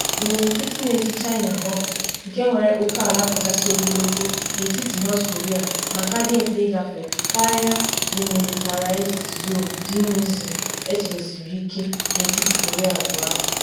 Imirikiti na esi China agbapụ, nke nwere oke ala kachasị ogologo n’etiti North Korea ma ka dị mfe ịgafe karịa Demilitarised Zone (DMZ) echedosiri ike n’etiti Korea abụọ ahụ.